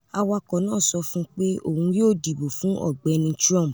Awakọ naa sọ fun un pe oun yoo dibo fun Ọgbẹni Trump.